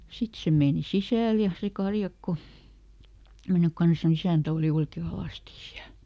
sitten se meni sisälle ja se karjakko mennyt kanssa niin isäntä oli oikein alasti siellä